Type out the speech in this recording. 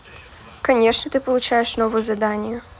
конечно ты получаешь новые знания